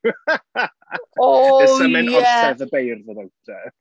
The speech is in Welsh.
O ie... There's something Gorsedd y Beirdd about it.